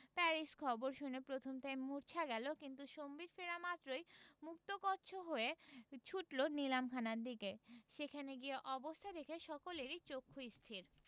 Paris খবর শুনে প্রথমটায় মুর্ছা গেল কিন্তু সম্বিত ফেরা মাত্রই মুক্তকচ্ছ হয়ে ছুটল নিলাম খানার দিকে সেখানে গিয়ে অবস্থা দেখে সকলেরই চক্ষুস্থির